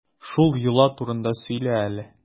Шул йола турында сөйлә әле.